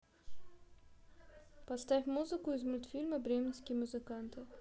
поставь музыку из мультфильма бременские музыканты